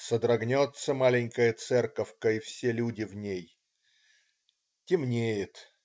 Содрогнется маленькая церковка и все люди в ней. Темнеет.